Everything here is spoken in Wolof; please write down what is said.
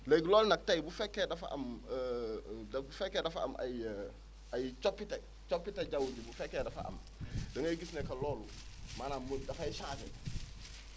léegi loolu nag tey bu fekkee dafa am da bu fekkee dafa am ay ay coppite coppite jaww ji bu fekkee dafa am da ngay gis ne que loolu maanaam mu dafay changé